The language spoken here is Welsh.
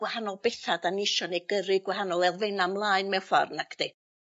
gwahanol betha 'dan ni isio neu gyrru gwahanol elfenna' mlaen mewn ffor nacdi?